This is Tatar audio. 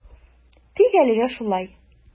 Тик әлегә шулай.